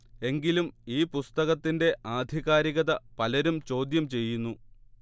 എങ്കിലും ഈ പുസ്തകത്തിന്റെ ആധികാരികത പലരും ചോദ്യം ചെയ്യുന്നു